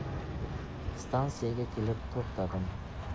stansiyaga kelib to'xtadim